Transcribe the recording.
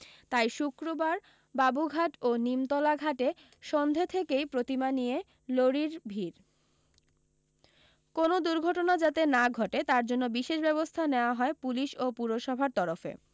তাই শুক্রবার বাবুঘাট বা নিমতলা ঘাটে সন্ধে থেকেই প্রতিমা নিয়ে লরির ভিড় কোনও দুর্ঘটনা যাতে না ঘটে তার জন্য বিশেষ ব্যবস্থা নেওয়া হয় পুলিশ ও পুরসভার তরফে